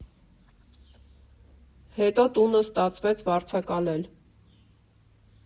Հետո տունը ստացվեց վարձակալել։